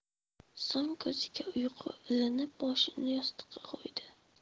so'ng ko'ziga uyqu ilinib boshini yostiqqa qo'ydi